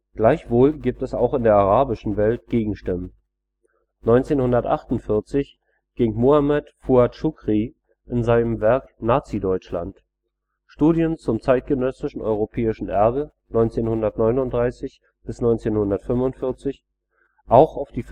Gleichwohl gibt es auch in der arabischen Welt Gegenstimmen: 1948 ging Muhammad Fuad Shukri in seinem Werk Nazi-Deutschland. Studien zum zeitgenössischen europäischen Erbe (1939 – 1945) auch auf die